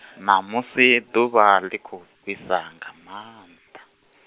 ṋamusi, ḓuvha, ḽi khou fhisa, nga manda.